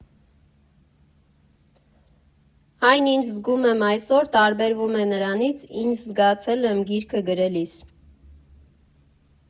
Այն ինչ զգում եմ այսօր, տարբերվում է նրանից, ինչ զգացել եմ գիրքը գրելիս։